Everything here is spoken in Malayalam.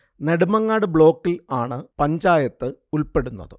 നെടുമങ്ങാട് ബ്ലോക്കിൽ ആണ് പഞ്ചായത്ത് ഉൾപ്പെടുന്നത്